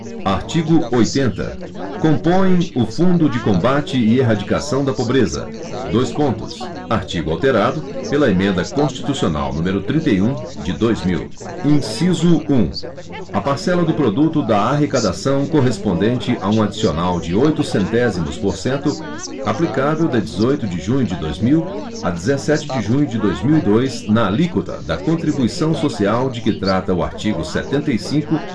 artigo oitenta compõem o fundo de combate e erradicação da pobreza dois pontos artigo alterado pela emenda constitucional número trinta e um de dois mil inciso um a parcela do produto da arrecadação correspondente a um adicional de oito centésimos por cento aplicável de dezoito de junho de dois mil a dezessete de junho de dois mil e dois na alíquota da contribuição social de que trata o artigo setenta e cinco